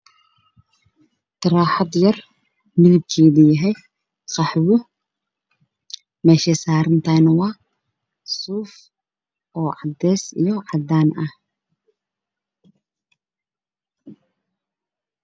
Taraaxad yar oo qaxwi ah